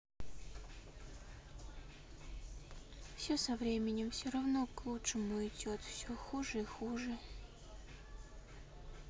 все со временем все равно к лучшему идет все хуже и хуже